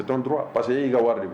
Tura pa que y'i ka wari de